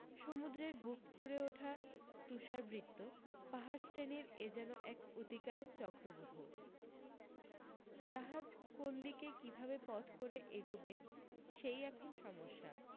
সমুদ্রের বুক ফুঁড়ে ওঠা তুষরাবৃত পাহাড়শ্রেণীর এ যেন এক অতিকায় চক্রবূহ জাহাজ কোনদিকে কিভাবে পথ করে এগোবে সেই এখন সমস্যা